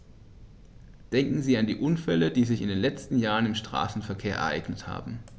Denken Sie an die Unfälle, die sich in den letzten Jahren im Straßenverkehr ereignet haben.